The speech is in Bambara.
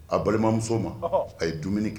A balimamuso ma a ye dumuni kɛ